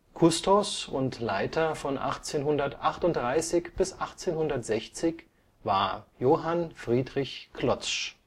Kustos und Leiter von 1838 bis 1860 war Johann Friedrich Klotzsch